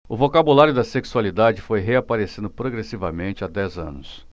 o vocabulário da sexualidade foi reaparecendo progressivamente há dez anos